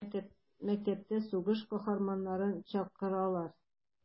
Мәктәпкә сугыш каһарманнарын чакырырга.